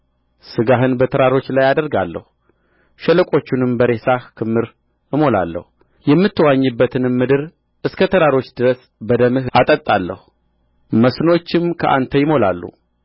ሥጋህን በተራሮች ላይ አደርጋለሁ ሸለቆቹንም በሬሳህ ክምር እሞላለሁ የምትዋኝባትንም ምድር እስከ ተራሮች ድረስ በደምህ አጠጣለሁ መስኖችም ከአንተ ይሞላሉ